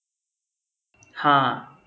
ห้า